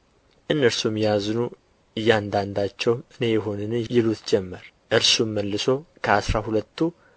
እነርሱም ያዝኑ እያንዳንዳቸውም እኔ እሆንን ይሉት ጀመር እርሱም መልሶ ከአሥራ ሁለቱ